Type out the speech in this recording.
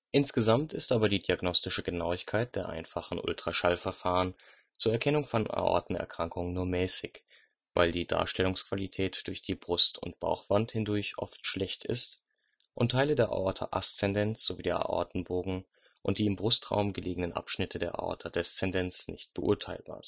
Insgesamt ist aber die diagnostische Genauigkeit der einfachen Ultraschallverfahren zur Erkennung von Aortenerkrankungen nur mäßig, weil die Darstellungsqualität durch die Brust - und Bauchwand hindurch oft schlecht ist und Teile der Aorta ascendens sowie der Aortenbogen und die im Brustraum gelegenen Abschnitte der Aorta descendens nicht beurteilbar